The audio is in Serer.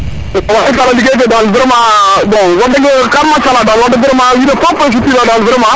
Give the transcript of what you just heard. ligey fe dal vraiment bon wax deg kar machalah dal wax deg vraiment wiin we fopo sut wuyu yo dal vraiment